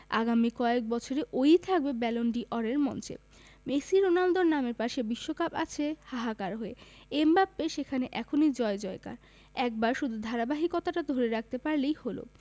আগামী কয়েক বছরে ও ই থাকবে ব্যালন ডি অরের মঞ্চে মেসি রোনালদোর নামের পাশে বিশ্বকাপ আছে হাহাকার হয়ে এমবাপ্পের সেখানে এখনই জয়জয়কার এবার শুধু ধারাবাহিকতাটা ধরে রাখতে পারলেই হলো